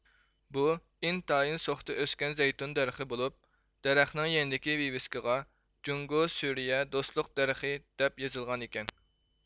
بۇ ئىنتايىن سوختا ئۆسكەن زەيتۇن دەرىخى بولۇپ دەرەخنىڭ يېنىدىكى ۋىۋىسكىغا جۇڭگو سۈرىيە دوستلۇق دەرىخى دەپ يېزىلغانىكەن